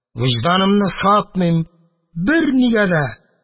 Вөҗданымны сатмыйм бернигә дә